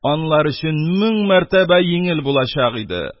Анлар өчен мең мәртәбә йиңел булачак иде,